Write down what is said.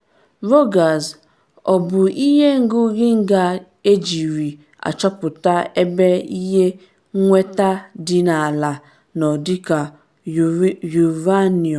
Rogers: “Ọ bụ ihe Ngụ Geiger, ejiri achọpụta ebe ihe nnweta dị n’ala nọ dịka uranium.